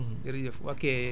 ok jërëjëf sëñ Leye